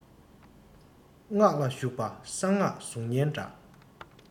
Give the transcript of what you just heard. སྔགས ལ ཞུགས པ གསང སྔགས གཟུགས བརྙན འདྲ